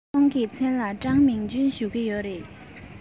ཁོང གི མཚན ལ ཀྲང མིང ཅུན ཞུ གི ཡོད རེད